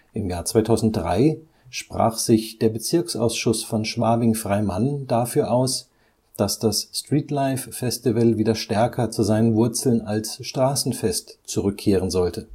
Im Jahr 2003 sprach sich der Bezirksausschuss von Schwabing-Freimann dafür aus, dass das Streetlife Festival wieder stärker zu seinen Wurzeln als „ Straßenfest “zurückkehren sollte